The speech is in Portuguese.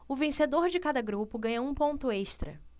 o vencedor de cada grupo ganha um ponto extra